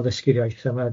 o ddysgu'r iaith yma de.